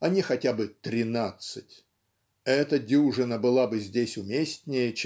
а не хотя бы "Тринадцать" (эта дюжина была бы здесь уместнее